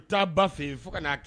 U taa ba fɛ fo ka